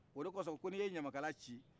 o de kosɔn ko n'i ye ɲamakala ci